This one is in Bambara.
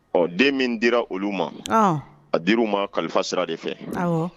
Ɔ den min dira olu ma a dir' u ma kalifa sira de fɛ